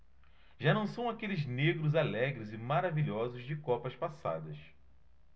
já não são aqueles negros alegres e maravilhosos de copas passadas